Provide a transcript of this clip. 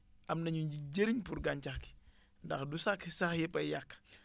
am nañu njëriñ pour gàncax gi ndax du sax sax yëppay yàq